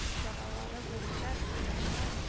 Чаралары буенча киңәшмә